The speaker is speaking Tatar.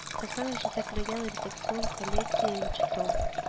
Хәсәнов җитәкләгән редакцион коллегия нче том